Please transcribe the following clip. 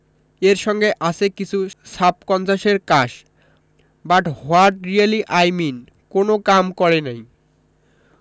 এর সঙ্গে আছে কিছু সাবকন্সাসের কাশ but what really I mean কোন কাম করে নাই